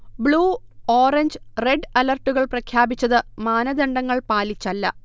blue, orange, red അലർട്ടുകൾ പ്രഖ്യാപിച്ചത് മാനദണ്ഡങ്ങൾ പാലിച്ചല്ല